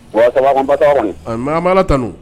Mama tanun